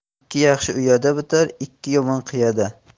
ikki yaxshi uyada bitar ikki yomon qiyada